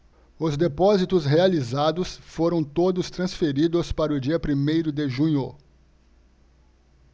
os depósitos realizados foram todos transferidos para o dia primeiro de junho